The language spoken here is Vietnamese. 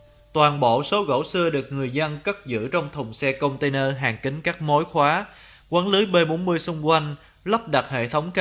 toàn bộ số gỗ sưa được người dân cất giữ trong thùng xe container hàn kín các mối khóa quấn lưới b xung quanh lắp camera giám sát